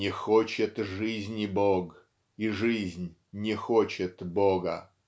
Не хочет жизни Бог, И жизнь не хочет Бога.